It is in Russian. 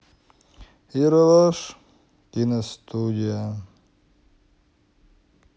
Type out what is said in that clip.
ералаш киностудия